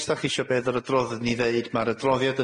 os 'da chi isho be' o'dd yr adroddiad 'n i ddeud ma'r adroddiad